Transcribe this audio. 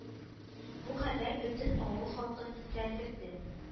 Бу хәбәр бөтен авыл халкын тетрәндерде